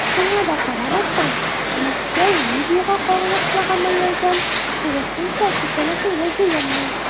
Шуңа да карамастан, Мәскәү Ливиягә кагылышлы гамәлләрдән тулысынча читләшергә җыенмый.